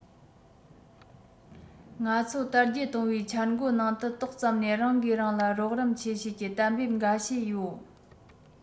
ང ཚོའི དར རྒྱས གཏོང བའི འཆར འགོད ནང དུ ཏོག ཙམ ནས རང གིས རང ལ རོགས རམ ཆེ ཤོས ཀྱི གཏན འབེབས འགའ ཤས ཡོད